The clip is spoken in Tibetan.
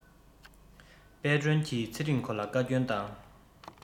དཔལ སྒྲོན གྱི ཚེ རིང ཁོ ལ བཀའ བསྐྱོན བཏང